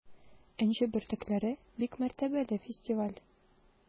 “энҗе бөртекләре” - бик мәртәбәле фестиваль.